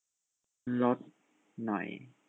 ลดหน่อย